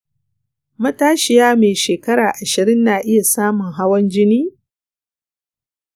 matashiya mai shekara ashirin na iya samun hawan jini?